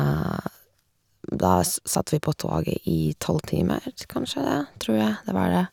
Da s satt vi på toget i tolv timer, kanskje det, tror jeg, det var det.